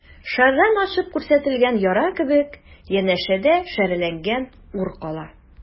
Шәрран ачып күрсәтелгән яра кебек, янәшәдә шәрәләнгән ур кала.